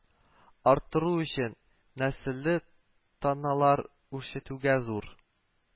Арттыру өчен нәселле таналар үрчетүгә зур